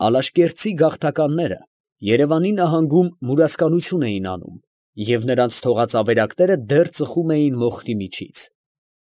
Ալաշկերտցի գաղթականները Երևանի նահանգում մուրացկանություն էին անում և նրանց թողած ավերակները դեռ ծխում էին մոխիրի միջից…։